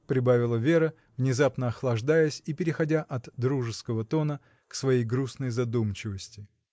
— прибавила Вера, внезапно охлаждаясь и переходя от дружеского тона к своей грустной задумчивости.